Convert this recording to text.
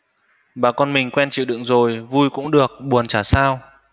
bà con mình quen chịu đựng rồi vui cũng được buồn chả sao